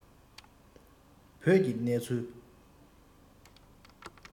བོད ཀྱི གནས ཚུལ